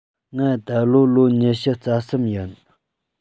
ང ད ལོ ལོ ཉི ཤུ རྩ གསུམ ཡིན